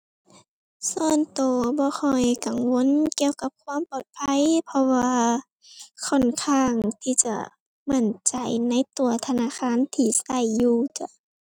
ส่วนตัวบ่ค่อยกังวลเกี่ยวกับความปลอดภัย เพราะว่าค่อนข้างที่จะมั่นใจในตัวธนาคารที่ตัวอยู่จ้ะ